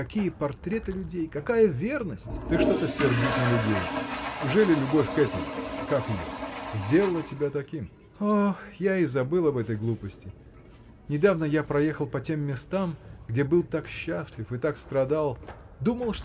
какие портреты людей, какая верность! – Ты что-то сердит на людей. Ужели любовь к этой. как ее? сделала тебя таким?. – О! я и забыл об этой глупости. Недавно я проехал по тем местам где был так счастлив и так страдал думал